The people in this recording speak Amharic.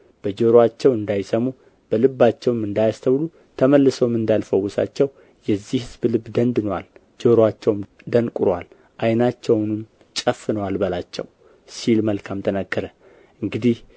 በጆሮአቸው እንዳይሰሙ በልባቸውም እንዳያስተውሉ ተመልሰውም እንዳልፈውሳቸው የዚህ ሕዝብ ልብ ደንድኖአል ጆሮአቸውም ደንቁሮአል ዓይናቸውንም ጨፍነዋል በላቸው ሲል መልካም ተናገረ እንግዲህ